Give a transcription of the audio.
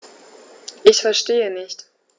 Ich verstehe nicht.